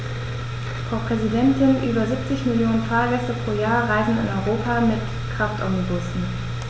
Frau Präsidentin, über 70 Millionen Fahrgäste pro Jahr reisen in Europa mit Kraftomnibussen.